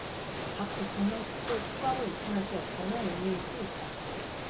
박 대통령 측도 추가로 입증할 게 없다는 의미일 수 있다